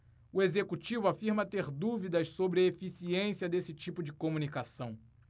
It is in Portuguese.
o executivo afirma ter dúvidas sobre a eficiência desse tipo de comunicação